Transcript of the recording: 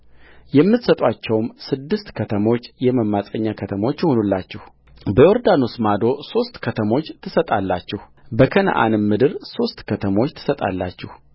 የምትሰጡአቸውም ስድስቱ ከተሞች የመማፀኛ ከተሞች ይሁኑላችሁበዮርዳኖስ ማዶ ሦስት ከተሞች ትሰጣላችሁ በከነዓንም ምድር ሦስት ከተሞች ትሰጣላችሁ